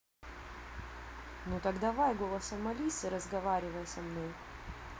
ну так давай голосом алисы разговаривай со мной